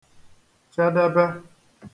chedebe